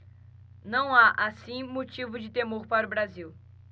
não há assim motivo de temor para o brasil